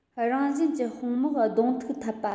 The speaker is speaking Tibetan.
རང གཞན གྱི དཔུང དམག གདོང ཐུག ཏུ འཐབ པ